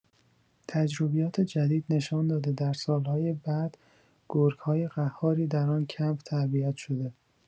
تجربیات جدید نشان داده در سال‌های بعد گرگ‌های قهاری در آن کمپ تربیت‌شده.